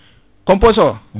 composte